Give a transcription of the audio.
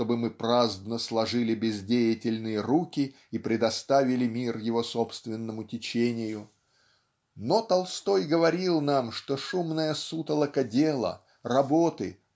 чтобы мы праздно дожили бездеятельные руки и предоставили мир его собственному течению. Но Толстой говорил нам что шумная сутолока дела работы